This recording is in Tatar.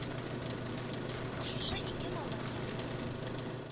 Шушы ике малай янында.